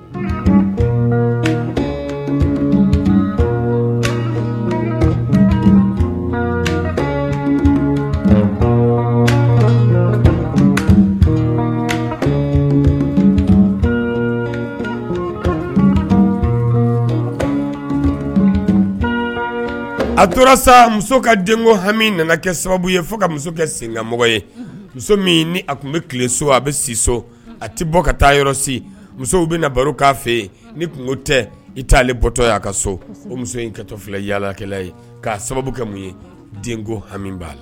A tora sa muso ka den hami nana kɛ sababu ye fo ka muso kɛ senmɔgɔ ye muso min ni a tun bɛ tile so a bɛ si so a tɛ bɔ ka taa yɔrɔ si musow bɛ na baro k'a fɛ yen ni kun tɛ i t'ale bɔtɔ a ka so o muso in katɔ filɛ yaalakɛla ye ka sababu kɛ mun ye den hami b'a la